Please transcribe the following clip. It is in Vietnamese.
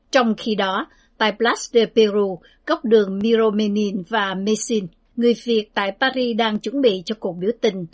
trong khi đó ta bờ lắt tơ pê ru góc đường ni rô mê lin và mê xin mê xi tại pa ri đang chuẩn bị cho cuộc biểu tình